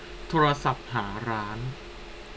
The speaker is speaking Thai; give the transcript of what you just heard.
โทรศัพท์หาร้าน